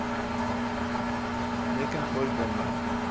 lekin to'y bo'lmadi